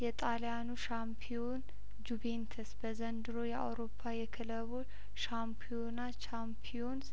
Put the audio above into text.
የጣልያኑ ሻምፒዮን ጁቬንትስ በዘንድሮው የአውሮፓ የክለቡ ሻምፒዮና ቻምፒየንስ